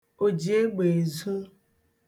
òjìegbèèzu